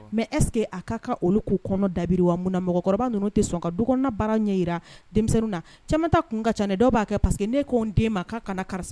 Mɛ esseke a k'a ka olu k'u kɔnɔ dabiri wa munna na mɔgɔkɔrɔba ninnu tɛ sɔn ka dubara ɲɛ jira denmisɛnnin na cɛman ta kun ka caani dɔw b'a kɛ paseke ne ko' den ma k'a kaana karisa